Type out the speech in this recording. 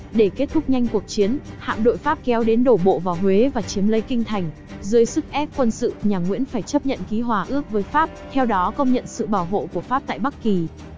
để kết thúc nhanh cuộc chiến hạm đội pháp kéo đến đổ bộ vào huế và chiếm lấy kinh thành dưới sức ép quân sự nhà nguyễn phải chấp nhận ký hòa ước với pháp theo đó công nhận sự bảo hộ của pháp tại bắc kỳ